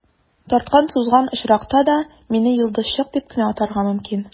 Тарткан-сузган очракта да, мине «йолдызчык» дип кенә атарга мөмкин.